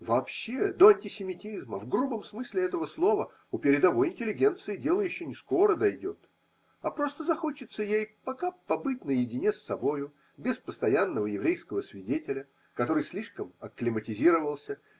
Вообще до антисемитизма, в грубом смысле этого слова, у передовой интеллигенции дело еще не скоро дойдет, а просто захочется ей пока по быть наедине с собою, без постоянного еврейского свидетеля, который слишком акклиматизировался.